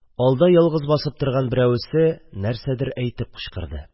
Алда ялгыз басып торган берәүсе нидер әйтеп кычкырды